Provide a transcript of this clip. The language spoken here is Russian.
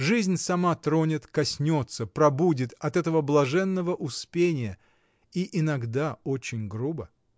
Жизнь сама тронет, коснется, пробудит от этого блаженного успения — и иногда очень грубо.